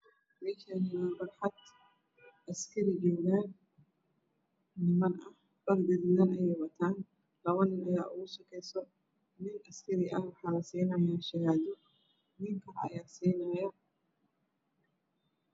Meeshaan waa barxad askari ayaa joogo niman ah dhar gaduudan ayay wataan. Labo nin ayaa u sukeeyo ninka askariga waxaa lasiinaya shahaado waxaa siinaayo nin kale.